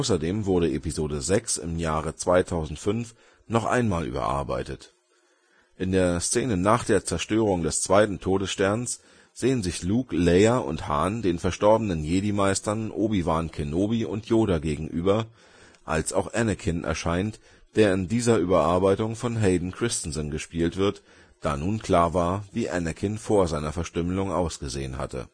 Außerdem wurde Episode VI im Jahre 2005 nocheinmal überarbeitet: In der Szene nach der Zerstörung des zweiten Todessternes sehen sich Luke, Leia und Han den verstorbenen Jedi-Meistern Obi-Wan Kenobi und Yoda gegenüber, als auch Anakin erscheint, der in dieser Überarbeitung von Hayden Christensen gespielt wird, da nun klar war, wie Anakin vor seiner Verstümmelung ausgesehen hatte